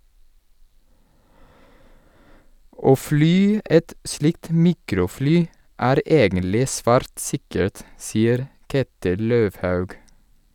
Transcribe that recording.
- Å fly et slikt mikrofly er egentlig svært sikkert , sier Ketil Løvhaug.